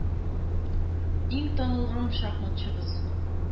Иң танылган шахматчыбыз